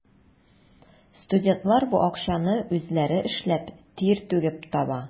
Студентлар бу акчаны үзләре эшләп, тир түгеп таба.